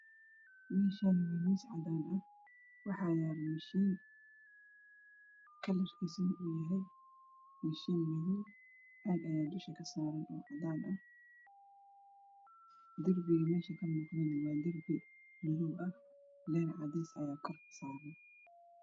Meeshaan waa miis cadaan ah waxaa yaalo mashiin kalarkiisu madow yahay caag ayaa dusha kasaaran oo cadaan ah. Darbiguna waa madow ah. leyrka waa cadaan.